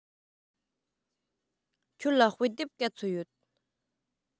ཁྱོད ལ དཔེ དེབ ག ཚོད ཡོད